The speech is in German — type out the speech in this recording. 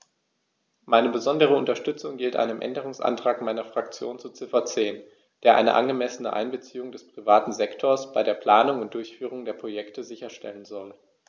Meine besondere Unterstützung gilt einem Änderungsantrag meiner Fraktion zu Ziffer 10, der eine angemessene Einbeziehung des privaten Sektors bei der Planung und Durchführung der Projekte sicherstellen soll.